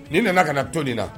Nin nana ka na to nin na